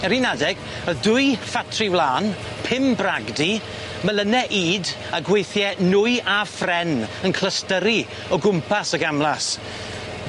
Ar un adeg ro'dd dwy ffatri wlân, pum bragdy, melyne ŷd, a gweithie nwy a phren yn clystyri o gwmpas y gamlas.